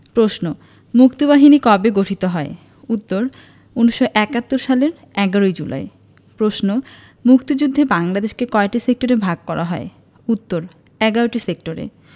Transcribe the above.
প্রশ্ন মুক্তিবাহিনী কবে গঠিত হয় উত্তর ১৯৭১ সালের ১১ জুলাই প্রশ্ন মুক্তিযুদ্ধে বাংলাদেশকে কয়টি সেক্টরে ভাগ করা হয় উত্তর ১১টি সেক্টরে